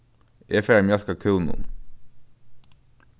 eg fari at mjólka kúnum